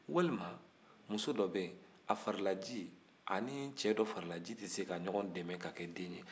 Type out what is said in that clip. walima muso dɔ bɛ yen a farilaji ani cɛ dɔ farilaji tɛ se ka ɲɔgɔn dɛmɛ k'a kɛ den ye